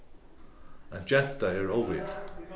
ein genta er óviti